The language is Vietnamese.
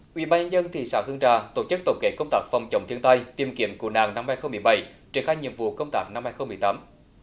ủy ban nhân dân thị xã hương trà tổ chức tổng kết công tác phòng chống thiên tai tìm kiếm cứu nạn năm hai không mười bảy triển khai nhiệm vụ công tác năm hai không mười tám